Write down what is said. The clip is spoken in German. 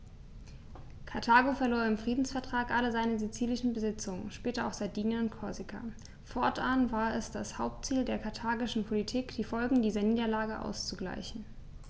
Karthago verlor im Friedensvertrag alle seine sizilischen Besitzungen (später auch Sardinien und Korsika); fortan war es das Hauptziel der karthagischen Politik, die Folgen dieser Niederlage auszugleichen.